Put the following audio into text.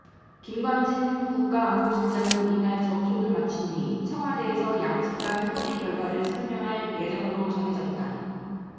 김관진 국가안보실장은 이날 접촉을 마친 뒤 청와대에서 양측간 협의 결과를 설명할 예정으로 전해졌다